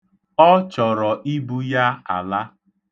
Ọ chọrọ ibu ya ala.